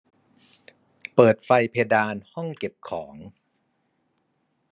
เปิดไฟเพดานห้องเก็บของ